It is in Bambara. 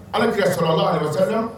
Ala' ka sɔrɔ la a bɛ sa